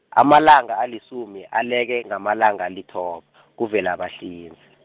amalanga alisumi, aleke ngamalanga alithoba, kuVelabahlinze.